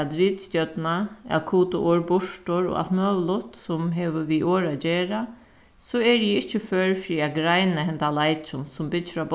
at ritstjórna at kuta orð burtur og alt møguligt sum hevur við orð at gera so eri eg ikki før fyri at greina hendan leikin sum byggir á